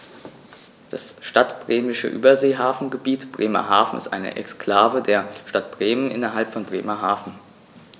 Das Stadtbremische Überseehafengebiet Bremerhaven ist eine Exklave der Stadt Bremen innerhalb von Bremerhaven.